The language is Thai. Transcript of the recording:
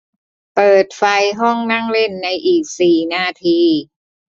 เปิดไฟห้องนั่งเล่นในอีกสี่นาที